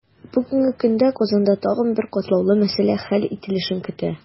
Бүгенге көндә Казанда тагын бер катлаулы мәсьәлә хәл ителешен көтә.